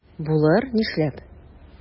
Булыр, нишләп?